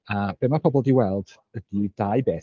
A be ma' pobl 'di ei weld ydy dau beth.